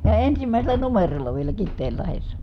ja ensimmäisellä numerolla vielä Kiteenlahdessa